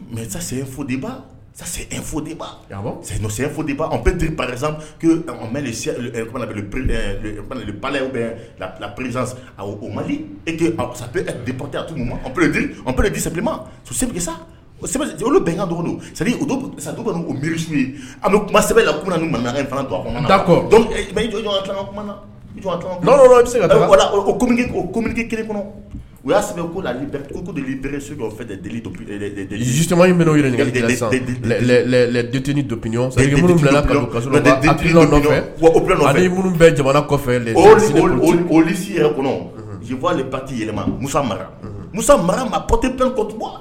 Mɛ foyi dezla perez o ma epte p pere sa olu bɛnkan sadu miirisu ye an bɛ kuma sɛbɛnbɛ la kuma ni mankan fana to da jɔ bɛ se ka o com kelen kɔnɔ u y'a sigi ko lali ko fɛ dejisima in bɛ' yɛrɛt ni don sa a muru bɛ jamana kɔfɛsi yɛrɛ kɔnɔfaale bati yɛlɛma musa mara musa mara ma p tɛp kɔtu